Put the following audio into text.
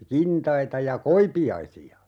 kintaita ja koipiaisia